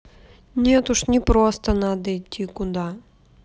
нет уже не просто надо идти куда